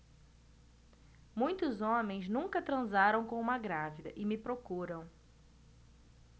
muitos homens nunca transaram com uma grávida e me procuram